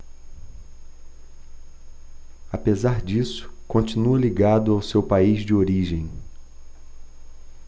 apesar disso continua ligado ao seu país de origem